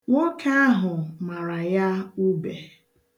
Nwoke ahụ mara ya ube.